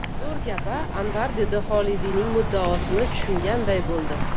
zo'r gap a anvar endi xolidiyning muddaosini tushunganday bo'ldi